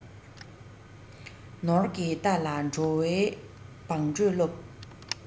ནོར གྱི རྟ ལ འགྲོ བའི བང འགྲོས སློབས